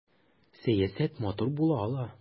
Сәясәт матур була ала!